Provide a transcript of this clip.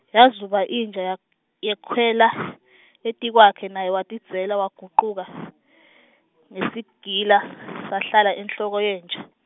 yazuba inja ya- yekhwela , etikwakhe, naye watidzela wagucuka , ngesagila, sahlala enhloko yenja.